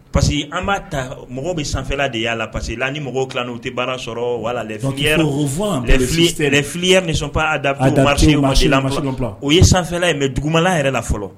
Parce que an b'a ta mɔgɔ bɛ sanfɛfɛla de y'a la parce la ni mɔgɔw tila n'u tɛ baara sɔrɔ walaya nisɔnp dasi o ye sanfɛla mɛ duguman yɛrɛ la fɔlɔ